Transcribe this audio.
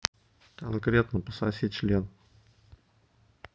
конкретно пососи член